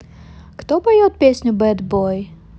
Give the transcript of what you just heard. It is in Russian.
кто поет песню bad boy